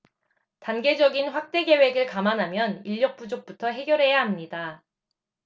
단계적인 확대 계획을 감안하면 인력 부족부터 해결해야 합니다